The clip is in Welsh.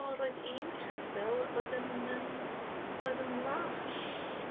O, roedd un ceffyl oedd yn, yym, oedd yn ddall.